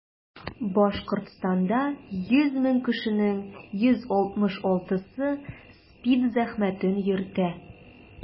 Башкортстанда 100 мең кешенең 166-сы СПИД зәхмәтен йөртә.